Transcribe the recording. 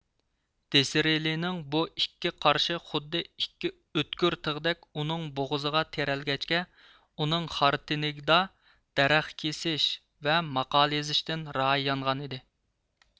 دىسرېلىنىڭ بۇ ئىككى قارىشى خۇددى ئىككى ئۆتكۈر تىغدەك ئۇنىڭ بوغۇزىغا تىرەلگەچكە ئۇنىڭ خارتىنگدا دەرەخ كېسىش ۋە ماقالە يېزىشتىن رايى يانغان ئىدى